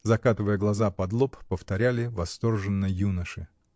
— закатывая глаза под лоб, повторяли восторженно юноши.